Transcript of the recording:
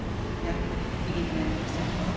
Ie? Ni gyd fan hyn yn yr Eisteddfod.